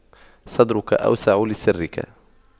صدرك أوسع لسرك